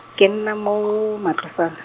ke nna mo Matlosana.